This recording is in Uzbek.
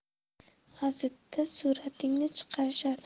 gazitda suratingni chiqarishadi